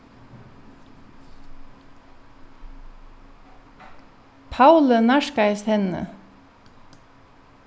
pauli nærkaðist henni